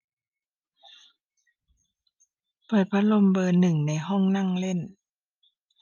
เปิดพัดลมเบอร์หนึ่งในห้องนั่งเล่น